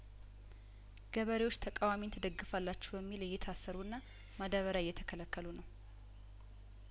ገበሬዎች ተቃዋሚንት ደግፍላችሁ በሚል እየታሰሩና ማዳበሪያ እየተከለከሉ ነው